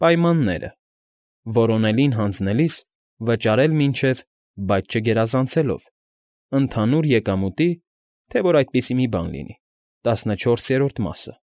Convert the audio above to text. Պայմանները. որոնելին հանձնելիս վճարել մինչև (բայց չգերազանցելով) ընդհանուր եկամուտի (թե որ այդպիսի բան լինի) տասնչորսերորդ մասը։